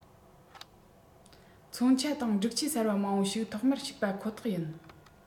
མཚོན ཆ དང སྒྲིག ཆས གསར པ མང པོ ཞིག ཐོག མར ཞུགས པ ཁོ ཐག ཡིན